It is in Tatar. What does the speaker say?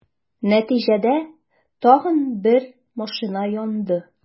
Нәтиҗәдә, тагын бер машина янды.